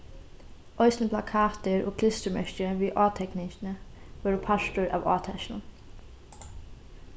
eisini plakatir og klistrimerki við átekningini vóru partur av átakinum